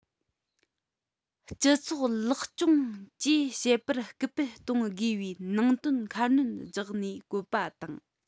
སྤྱི ཚོགས ལེགས སྐྱོང བཅས བྱེད པར སྐུལ སྤེལ གཏོང དགོས པའི ནང དོན ཁ སྣོན བརྒྱབ ནས བཀོད པ དང